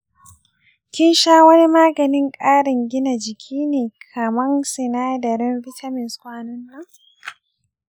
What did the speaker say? kin sha wani maganin ƙarin gina jiki ne kaman sinadarin vitamins kwanan nan?